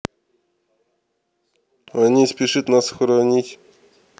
они спешит нас хоронить